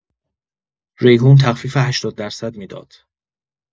ریحون تخفیف هشتاد درصد می‌داد؛